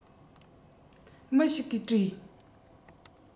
མི ཞིག གིས དྲིས